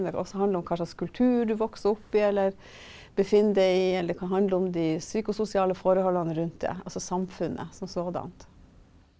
det kan også handle om hva slags kultur du vokser opp i eller befinner deg i, eller det kan handle om de psykososiale forholda rundt det, altså samfunnet som sådan.